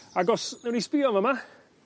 Ag os newn ni sbïo fyma